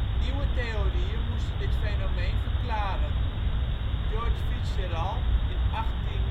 Nieuwe theorieën moesten dit fenomeen verklaren. George FitzGerald in 1889